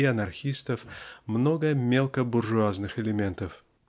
и анархистов много мелкобуржуазных элементов.